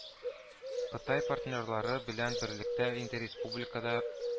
Кытай партнерлары белән берлектә инде республикада